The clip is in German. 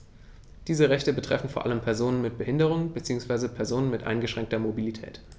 Diese Rechte betreffen vor allem Personen mit Behinderung beziehungsweise Personen mit eingeschränkter Mobilität.